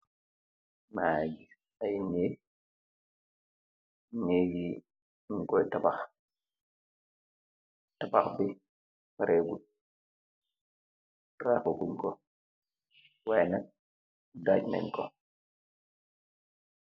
Magi giss ayy neeg meeg yi nyun koi tabax tabax bi parehgut raha gung ko y nak dag neen ko.